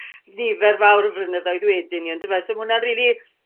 Nifer fawr o flynyddoedd wedyn 'ny yndyfe? So ma' wnna'n rili